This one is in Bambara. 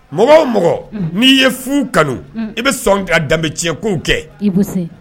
Mɔgɔ o mɔgɔ n'i ye fu kanu i bɛ sɔn ka danbecɛn kow kɛ.